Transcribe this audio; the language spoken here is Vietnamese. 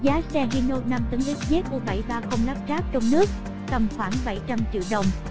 giá xe hino tấn xzu lắp ráp trong nước tầm khoảng triệu đồng